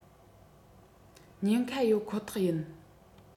ཉན ཁ ཡོད ཁོ ཐག ཡིན